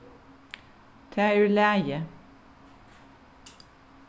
tað er í lagi